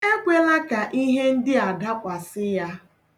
Ekwela ka ihe ndịa dakwasị ya.